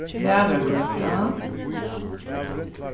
varðagøta